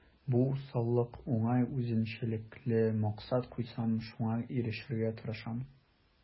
Бу усаллык уңай үзенчәлекле: максат куйсам, шуңа ирешергә тырышам.